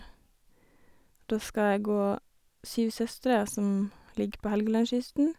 Da skal jeg gå Syv søstre, som ligger på Helgelandskysten.